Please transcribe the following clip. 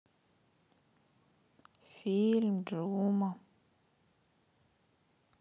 фильм джума